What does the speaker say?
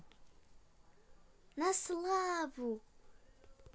на славу